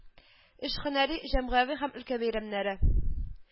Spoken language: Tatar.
Өч һөнәри, җәмгыяви һәм өлкә бәйрәмнәре